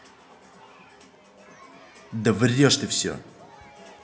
да врешь ты все